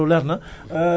ñu dénk ko suñu boroom